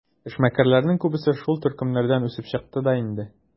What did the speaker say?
Эшмәкәрләрнең күбесе шул төркемнәрдән үсеп чыкты да инде.